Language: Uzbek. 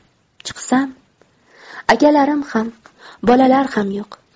chiqsam akalarim ham bolalar ham yo'q